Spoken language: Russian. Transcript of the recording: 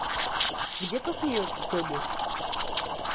где посмеется тоби